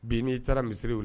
Bin n'i taara misisiriri wuli